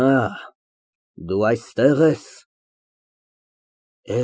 Աա, դու այստեղ ես։